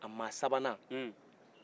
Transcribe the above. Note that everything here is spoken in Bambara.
a mɔgɔ sabanan hun